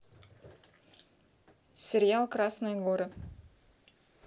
сериал красные горы